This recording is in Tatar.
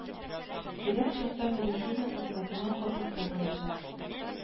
Кирәк чакта медицина хезмәтенә хокуклы булачак